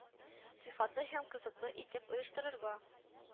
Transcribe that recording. Сыйфатлы һәм кызыклы итеп оештырырга